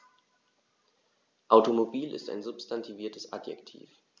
Automobil ist ein substantiviertes Adjektiv.